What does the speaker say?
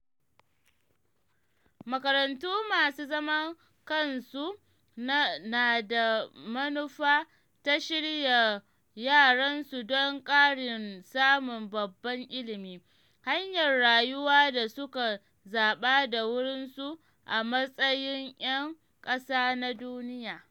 Makarantu masu zaman kansun na da manufa ta shirya yaransu don karin samun babban ilmi, hanyar rayuwa da suka zaɓa da wurinsu a matsayin ‘yan ƙasa na duniya.